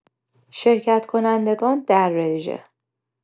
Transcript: شرکت‌کنندگان در رژه